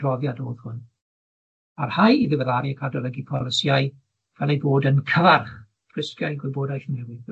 adroddiad oedd hwn, parhau iddo adolygu polisïau fel eu bod yn cyfarch, rhisgau gwybodaeth newydd.